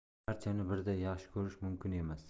barchani birday yaxshi ko'rish mumkin emas